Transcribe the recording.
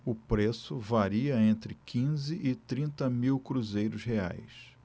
o preço varia entre quinze e trinta mil cruzeiros reais